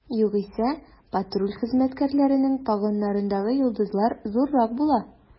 Югыйсә, патруль хезмәткәрләренең погоннарындагы йолдызлар зуррак була.